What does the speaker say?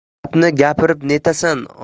gapni gapirib netasan